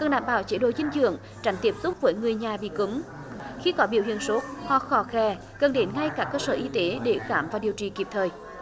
cần đảm bảo chế độ dinh dưỡng tránh tiếp xúc với người nhà bị cúm khi có biểu hiện sốt ho khò khè cần đến ngay cả cơ sở y tế để khám và điều trị kịp thời